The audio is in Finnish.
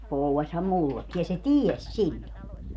povasihan minullekin ja se tiesi silloin